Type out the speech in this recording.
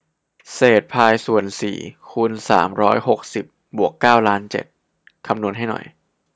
เศษพายส่วนสี่คูณสามร้อยหกสิบบวกเก้าล้านเจ็ด